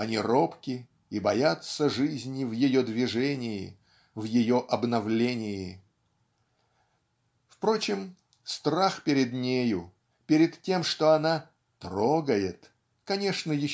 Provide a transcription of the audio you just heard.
Они робки и боятся жизни в ее движении, в ее обновлении. Впрочем страх перед нею перед тем что она "трогает" конечно